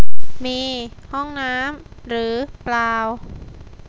มีห้องน้ำหรือเปล่า